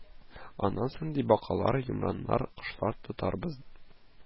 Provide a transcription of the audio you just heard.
Аннан соң ди, бакалар, йомраннар, кошлар тотарбыз